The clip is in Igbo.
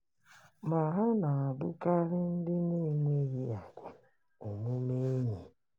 Ma ha na-abụkarị ndị na-enweghị agwa omume enyi.